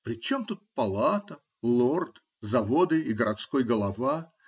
Причем тут палата, лорд, заводы и городской голова?